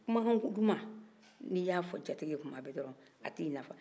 kuman duman ni y'a fɔ jatigui ye tuma bɛ dɔrɔn a t'i nafa